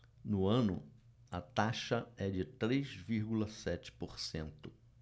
no ano a taxa é de três vírgula sete por cento